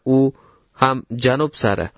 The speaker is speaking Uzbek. u ham janub sari